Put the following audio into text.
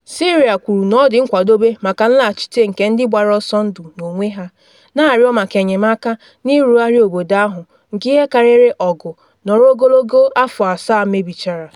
Syria kwuru na ọ dị nkwadobe maka nlaghachite nke ndị gbara ọsọ ndụ n’onwe ha, na arịọ maka enyemaka na ịrụgharị obodo ahụ nke ihe karịrị ọgụ nọrọ ogologo afọ asaa mebichara.